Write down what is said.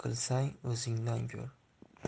qilsang o'zingdan ko'r